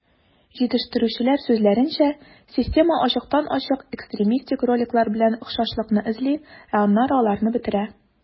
Җитештерүчеләр сүзләренчә, система ачыктан-ачык экстремистик роликлар белән охшашлыкны эзли, ә аннары аларны бетерә.